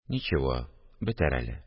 – ничево, бетәр әле